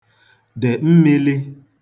dè mmīlī